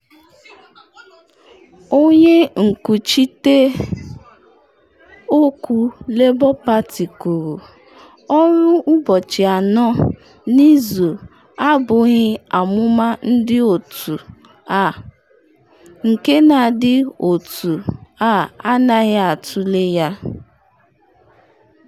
Onye nkwuchite okwu Labour Party kwuru: ‘Ọrụ ụbọchị anọ n’izu abughị amụma ndị otu a nke na ndị otu a anaghị atule ya.’